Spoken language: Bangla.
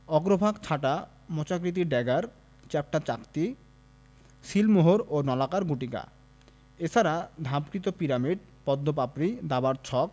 অগ্রভাগ ছাটা মোচাকৃতি ড্যাগার চ্যাপ্টা চাকতি সিলমোহর ও নলাকার গুটিকা এছাড়া ধাপকৃত পিরামিড পদ্ম পাপড়ি দাবার ছক